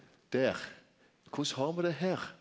der korleis har me det her?